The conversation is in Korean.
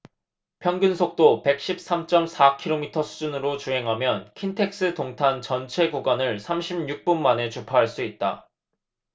평균속도 백 십 삼 쩜 사 키로미터 수준으로 주행하면 킨텍스 동탄 전체 구간을 삼십 육 분 만에 주파할 수 있다